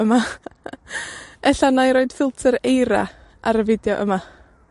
yma. Ella 'nai roid ffilter eira ar y fideo yma.